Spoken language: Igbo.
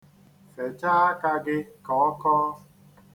Fechaa aka gị ka ọ kọọ.